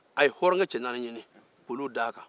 a ye hɔrɔnkɛ cɛ naani ɲini k'olu d'a kan